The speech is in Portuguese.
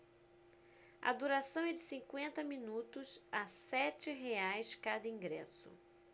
a duração é de cinquenta minutos a sete reais cada ingresso